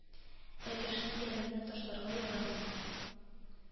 Ә кешене ярдәмнән ташларга ярамый